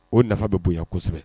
O nafa bɛ bonya kosɛbɛ